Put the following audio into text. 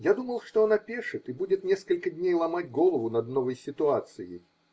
Я думал, что он опешит и будет несколько дней ломать голову над новой ситуацией